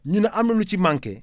ñu ne am na lu ci manqué